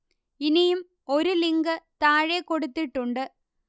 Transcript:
ഇനിയും ഒരു ലിങ്ക് താഴെ കൊടുത്തിട്ടുണ്ട്